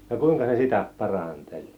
no kuinkas ne sitä paranteli